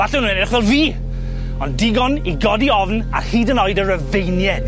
Falle o n'w'n edrych fel fi, ond digon i godi ofn ar hyd yn oed y Rifeinied.